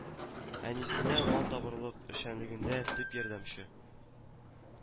Әнисенә малтабарлык эшчәнлегендә төп ярдәмче